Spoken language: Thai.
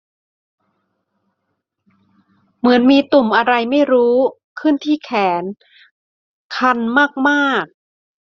เหมือนมีตุ่มอะไรไม่รู้ขึ้นที่แขนคันมากมาก